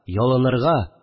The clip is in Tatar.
Ялынырга